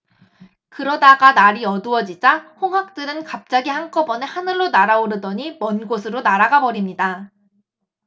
그러다가 날이 어두워지자 홍학들은 갑자기 한꺼번에 하늘로 날아오르더니 먼 곳으로 날아가 버립니다